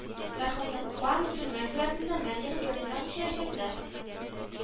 Мәрхүмне Уфа мөселман зиратында мәңгелек йортына күчерәчәкләр